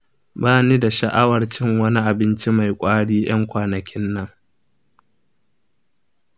bani da sha'awar cin wani abinci mai ƙwari ƴan kwanakin nan.